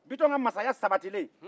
biton ka mansaya sabatilen